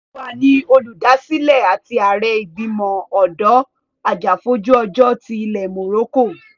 Fadoua ni olùdásílẹ̀ àti ààrẹ Ìgbìmọ̀ Ọ̀dọ́ Ajàfòjú-ọjọ́ ti ilẹ̀ Morocco.